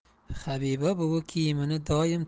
habiba buvi kiyimini doim